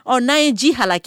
Ɔ n'a ye ji haki